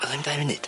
Fydda i'm dau funud.